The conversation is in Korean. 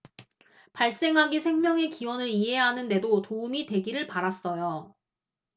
발생학이 생명의 기원을 이해하는 데도 도움이 되기를 바랐어요